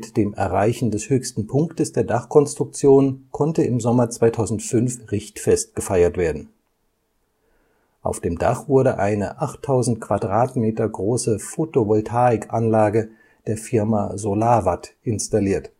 dem Erreichen des höchsten Punktes der Dachkonstruktion konnte im Sommer 2005 Richtfest gefeiert werden. Auf dem Dach wurde eine 8.000 m² große Photovoltaik-Anlage der Firma Solarwatt installiert